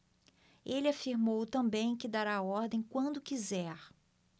ele afirmou também que dará a ordem quando quiser